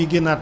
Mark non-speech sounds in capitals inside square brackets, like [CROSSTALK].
[HESITATION] [HESITATION]